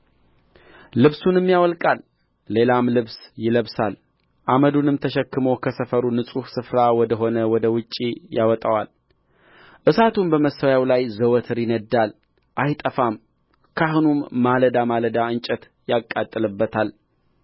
ልብሱንም ያወልቃል ሌላም ልብስ ይለብሳል አመዱንም ተሸክሞ ከሰፈሩ ንጹሕ ስፍራ ወደ ሆነ ወደ ውጭ ያወጣዋልእሳቱም በመሠዊያው ላይ ዘወትር ይነድዳል አይጠፋም ካህኑም ማለዳ ማለዳ እንጨት ያቃጥልበታል